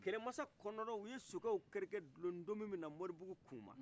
kɛlɛmasa kɔnɔntɔn u ye sokɛw kɛrɛ gulo ntomi mina mɔribugu kuma